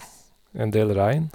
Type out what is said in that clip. En del regn.